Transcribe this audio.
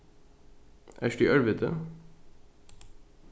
ert tú í ørviti